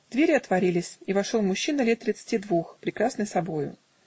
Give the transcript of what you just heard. Двери отворились, и вошел мужчина лет тридцати двух, прекрасный собою.